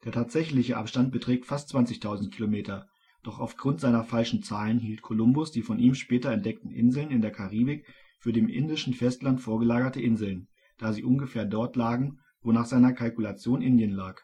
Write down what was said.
tatsächliche Abstand beträgt fast 20.000 km, doch aufgrund seiner falschen Zahlen hielt Kolumbus die von ihm später entdeckten Inseln in der Karibik für dem indischen Festland vorgelagerte Inseln, da sie ungefähr dort lagen, wo nach seiner Kalkulation Indien lag